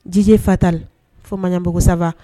Jiji fata fo ma ɲɛbugusa